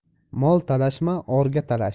mol talashma orga talash